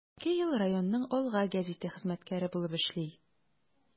Ике ел районның “Алга” гәзите хезмәткәре булып эшли.